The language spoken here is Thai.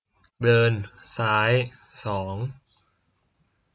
เดินซ้ายสอง